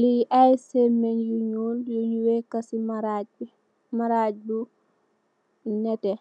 Lee aye semeng yu nuul yun weka se marage be marage bu nete